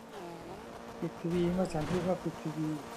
ปิดทีวีเมื่อฉันพูดว่าปิดทีวี